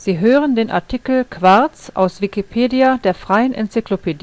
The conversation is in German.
Sie hören den Artikel Quarz, aus Wikipedia, der freien Enzyklopädie